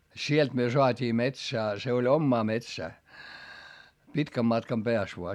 sieltä me saatiin metsää se oli omaa metsää pitkän matkan päässä vain